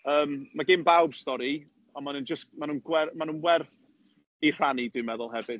Yym, ma' gan bawb stori, ond maen nhw'n jyst, maen nhw'n gwerth maen nhw werth eu rhannu dwi'n meddwl hefyd.